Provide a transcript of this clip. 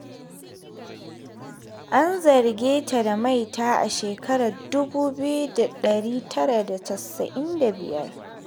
An zarge ta da maita a shekarar 1995.